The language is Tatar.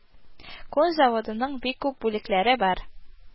Күн заводының бик күп бүлекләре бар